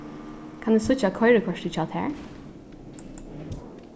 kann eg síggja koyrikortið hjá tær